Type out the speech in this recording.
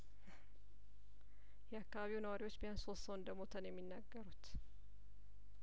የአካባቢው ነዋሪዎች ቢያንስ ሶስት ሰው እንደሞተ ነው የሚናገሩት